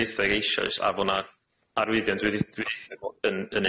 ddwyieithog eishoes a fo' 'na arwyddion dwyddi- dwyieithog